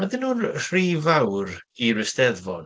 Ydyn nhw'n rhy fawr i'r Eisteddfod?